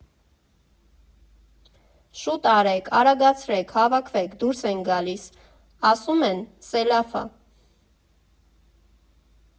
Շո՛ւտ արեք, արագացրե՛ք, հավաքվեք, դուրս ենք գալիս։ Ասում են՝ սելավ ա։